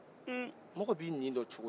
un mɔgɔ b'i ni dɔ cogo di